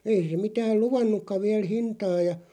ei se mitään luvannutkaan vielä hintaa ja